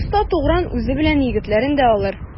Оста Тугран үзе белән егетләрен дә алыр.